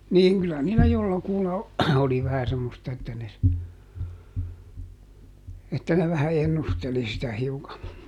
niin kyllä niillä jollakulla oli vähän semmoista että ne - että ne vähän ennusteli sitä hiukan